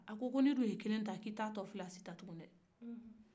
a ko ni dun ye kelen ta ko i tɛ a tɔsi ta tunguni dɛ